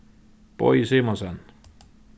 bogi simonsen